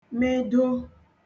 medo